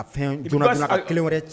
A fɛn jɔna jɔna , ka 1 wɛrɛ